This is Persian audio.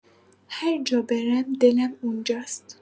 هر جا برم دلم اونجاست.